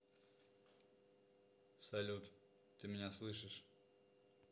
салют ты меня слышишь